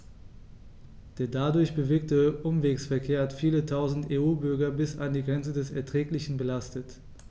Der dadurch bewirkte Umwegsverkehr hat viele Tausend EU-Bürger bis an die Grenze des Erträglichen belastet.